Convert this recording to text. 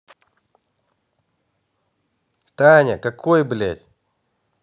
таня какой блядь